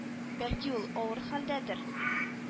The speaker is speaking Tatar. — бәлки ул авыр хәлдәдер